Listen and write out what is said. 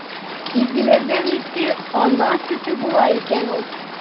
Изгеләрдән изге – ана сөте була икән ул!